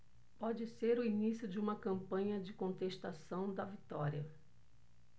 pode ser o início de uma campanha de contestação da vitória